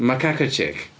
Macaque chick.